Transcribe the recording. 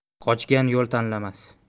qochgan yo'l tanlamas